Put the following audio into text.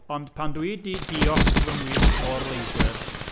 Ond pan dwi i 'di diosg fy ngwisg môr leidr…